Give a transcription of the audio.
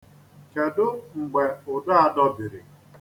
Kedu mgbe ụdọ a dọbiri?